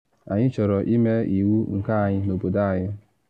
Anyị chọrọ ịme iwu nke anyị n’obodo anyị.’